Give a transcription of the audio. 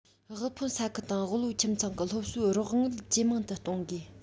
དབུལ ཕོངས ས ཁུལ དང དབུལ པོའི ཁྱིམ ཚང གི སློབ གསོའི རོགས དངུལ ཇེ མང དུ གཏོང དགོས